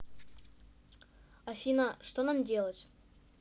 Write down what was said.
афина что нам делать